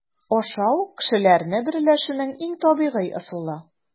Ашау - кешеләрне берләшүнең иң табигый ысулы.